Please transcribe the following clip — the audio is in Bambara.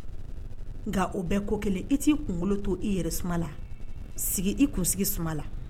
Nka o bɛɛ ko kelen i t' i kunkolo to i yɛrɛ suma sigi i kun sigi suma